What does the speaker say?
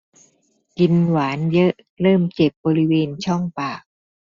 กินหวานเยอะเริ่มเจ็บบริเวณช่องปาก